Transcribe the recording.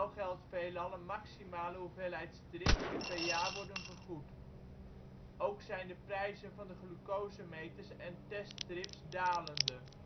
geldt veelal een maximale hoeveelheid strips die per jaar worden vergoed. Ook zijn de prijzen van de glucosemeters en teststrips dalende